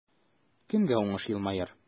Кемгә уңыш елмаер?